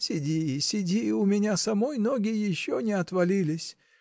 -- Сиди, сиди; у меня самой ноги еще не отвалились.